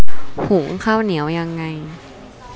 หุงข้าวเหนียวยังไง